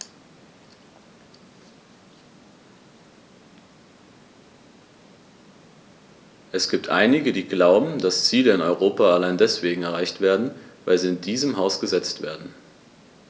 Es gibt einige, die glauben, dass Ziele in Europa allein deswegen erreicht werden, weil sie in diesem Haus gesetzt werden.